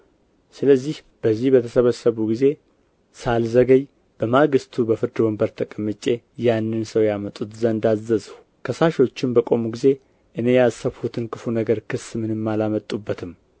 ስለዚህም በዚህ በተሰበሰቡ ጊዜ ሳልዘገይ በማግሥቱ በፍርድ ወንበር ተቀምጬ ያንን ሰው ያመጡት ዘንድ አዘዝሁ ከሳሾቹም በቆሙ ጊዜ እኔ ያሰብሁትን ክፉ ነገር ክስ ምንም አላመጡበትም